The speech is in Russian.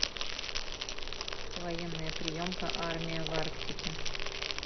военная приемка армия в арктике